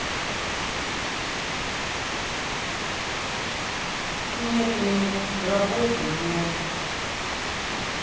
нет нет работы нет